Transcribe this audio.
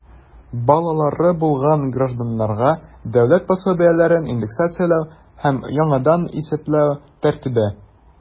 Балалары булган гражданнарга дәүләт пособиеләрен индексацияләү һәм яңадан исәпләү тәртибе.